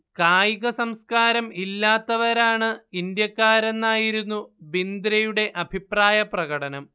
കായികസംസ്കാരം ഇല്ലാത്തവരാണ് ഇന്ത്യക്കാരെന്ന് ആയിരുന്നു ബിന്ദ്രയുടെ അഭിപ്രായ പ്രകടനം